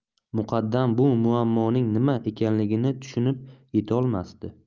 muqaddam bu muammoning nima ekanligini tushunib yetolmasdi